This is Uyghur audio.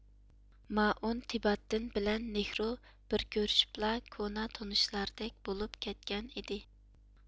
مائونتباتتىن بىلەن نىھرۇ بىر كۆرۈشۈپلا كونا تونۇشلاردەك بولۇپ كەتكەن ئىدى